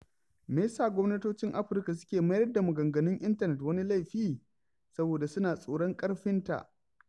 Me ya sa gwamnatocin Afirka suke mayar da maganganun intanet wani laifi? Saboda suna tsoron ƙarfinta.